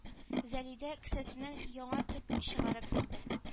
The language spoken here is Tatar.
Залидә кесәсеннән яңа төк чыгарып бирде